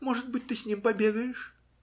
- Может быть, ты с ним побегаешь?